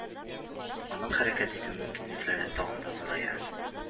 Аның хәрәкәт итү мөмкинлекләре тагын да зурая.